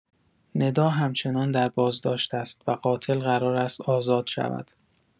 ندا همچنان در بازداشت است و قاتل قرار است آزاد شود!